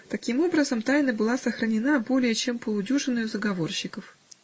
Таким образом тайна была сохранена более, чем полудюжиною заговорщиков.